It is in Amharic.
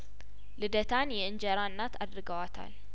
ልደታን የእንጀራ እናት አድርገዋታል